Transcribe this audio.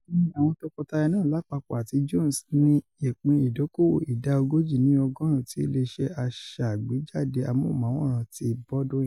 Ìsinmi àwọn tọkọtaya náà lápapọ̀ àti Jones ní ìpín ìdóòkòwò ìdá ogójì nínú ọgọ́ọ̀rún ti ilé iṣẹ́ aṣàgbéjáde amóhὺmáwòràán ti Baldwin.